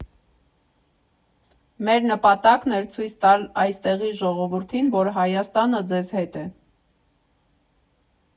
Մեր նպատակն էր ցույց տալ այստեղի ժողովրդին, որ Հայաստանը ձեզ հետ է։